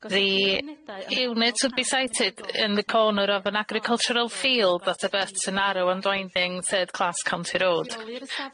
The units would be sited in the corner of an agricultural field that abuts a narrow and winding third class county road.